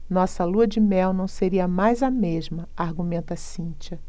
nossa lua-de-mel não seria mais a mesma argumenta cíntia